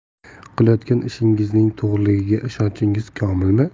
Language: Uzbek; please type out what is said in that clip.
qilayotgan ishingizning to'g'riligiga ishonchingiz komilmi